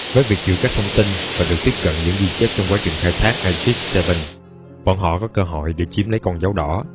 với việc giữ các thông tin và được tiếp cận những ghi chép trong quá trình khai thác aegis vii bọn họ có cơ hội để chiếm lấy con dấu đỏ